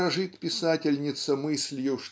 дорожит писательница мыслью